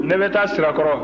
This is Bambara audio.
ne bɛ taa sirakɔrɔ